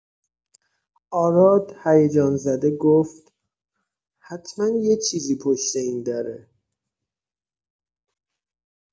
آراد هیجان‌زده گفت: «حتما یه چیزی پشت این دره!»